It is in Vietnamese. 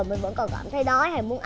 mình vẫn cảm thấy đói thì mình